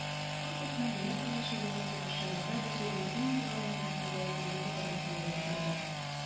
Корпусның Днепрга чыгуы сугышчыларда бу сүзнең иң югары мәгънәсендә күңел күтәренкелеге тудырды.